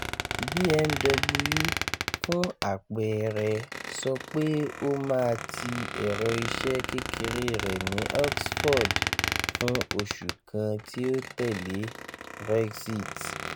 BMW, fún àpẹẹrẹ, sọ pé ò máa ti Ẹ̀rọ iṣẹ́ kékeré rẹ̀ ní Oxford fún oṣù kan tí ó tẹ̀lé Brexit.